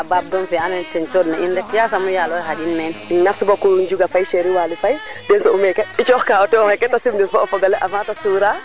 mais kam ge e salade fene comme a jega ka ando naye kena weera ten o ndeta ngan fasaɓ lana aussi o jeaga a kana fiya ten nu nde njega teen pertement bayo ando naye xan ndet bo decourager a no qoox nuun sax